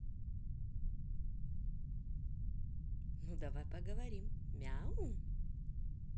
ну давай говори мяу